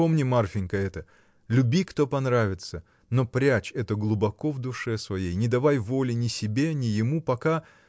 помни, Марфинька, это: люби, кто понравится, но прячь это глубоко в душе своей, не давай воли ни себе, ни ему, пока.